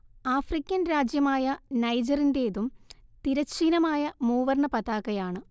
African രാജ്യമായ നൈജറിന്റേതും തിരശ്ചീനമായ മൂവർണ്ണ പതാകയാണ്